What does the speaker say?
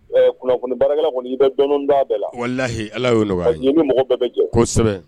Kunnafoni baarakɛ kɔni i bɛ bamanan d bɛɛ la walahi ala yeo nɔgɔya ni mɔgɔ bɛɛ bɛ jɔ kosɛbɛ